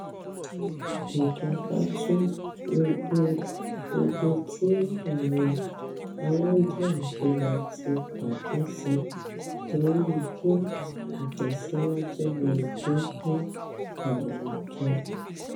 Ìjọba tún gbogbo ibi tí àwọn alájàngbilà ti bàjẹ́ ṣe torí kí ìtẹ̀síwájú lè dé bá àwùjọ.